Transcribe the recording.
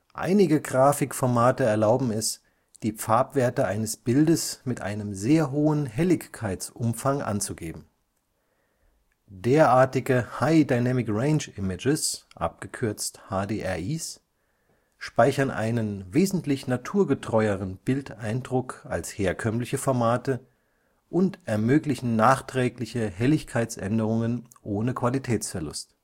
Einige Grafikformate erlauben es, die Farbwerte eines Bildes mit einem sehr hohen Helligkeitsumfang anzugeben. Derartige High Dynamic Range Images (HDRIs) speichern einen wesentlich naturgetreueren Bildeindruck als herkömmliche Formate und ermöglichen nachträgliche Helligkeitsänderungen ohne Qualitätsverlust